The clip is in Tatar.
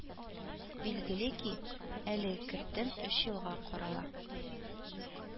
Билгеле ки, әле кертем өч елга карала